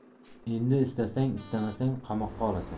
endi istasang istamasang qamoqqa olasan